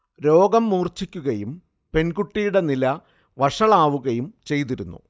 രോഗം മൂർഛിക്കുകയും പെൺകുട്ടിയുടെ നില വഷളാവുകയും ചെയ്തിരുന്നു